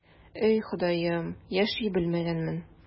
И, Ходаем, яши белмәгәнмен...